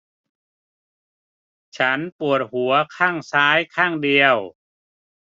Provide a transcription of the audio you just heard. ฉันปวดหัวข้างซ้ายข้างเดียว